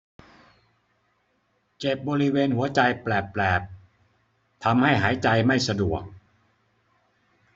เจ็บบริเวณหัวใจแปลบแปลบทำให้หายใจไม่สะดวก